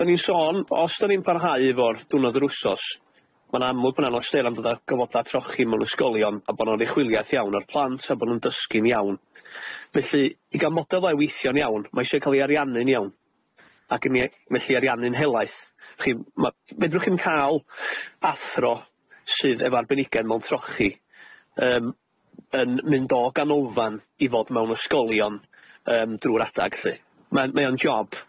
'dan ni'n sôn os 'dan ni'n parhau efo'r diwrnod yr wsos ma'n amlwg bo' 'na anawstera yn dod o gyfnoda trochi mewn ysgolion a bo' 'na oruchwyliaeth iawn o'r plant a bo' nhw'n dysgu'n iawn, felly i ga'l model fel'a i weithio'n iawn ma' isie ca'l 'i ariannu'n iawn, ag yn, felly'i ariannu'n helaeth, 'chi'n ma- fedrwch chi'm ca'l athro sydd efo arbenigedd mewn trochi yym yn mynd o ganolfan i fod mewn ysgolion yym drw'r adag lly ma- mae o'n job.